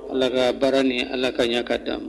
Ala ka baara nin Ala k'a ɲɛ ka d'an ma